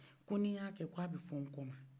ko ni n y'a kɛ k'a be fɔ n kɔ ma